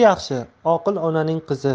yaxshi oqil onaning qizi